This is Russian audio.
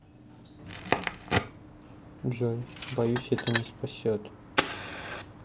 джой боюсь это не спасет